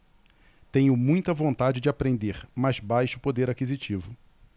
tenho muita vontade de aprender mas baixo poder aquisitivo